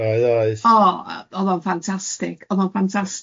Oedd oedd. O oedd o'n fantastic oedd o'n fantastic.